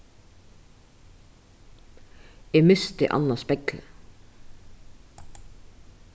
eg misti annað speglið